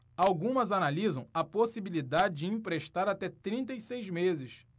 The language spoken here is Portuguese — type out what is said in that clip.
algumas analisam a possibilidade de emprestar até trinta e seis meses